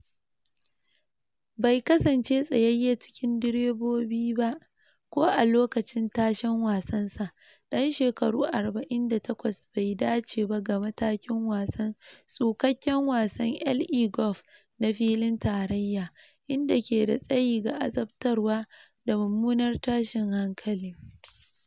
Bai kasance tsayayye cikin deribobi ba ko a lokacin tashen wasan sa, dan shekaru 48 bai dace ba ga matakin wasan tsukakken wasan Le Golf na filin Tarayya, inda ke da tsayi ga azabtarwa da mummunar tashin hankali.